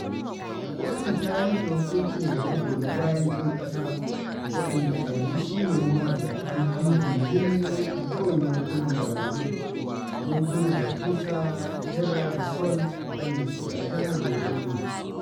Kotun ta yanke hukuncin da ya goyi bayan 'yan ƙasa, waɗanda a yanzu su ne mamallaka na dindindin na mafi yawan yankunan Barazil - yankunan Raposa Terra do Sol, waɗanda suke a jihar Roraima.